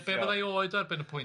Ie be fyddai oed ar ben y pwynt?